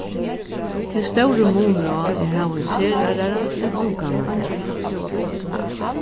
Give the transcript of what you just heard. tað er stórur munur á at hava ein serlærara enn ongan at hava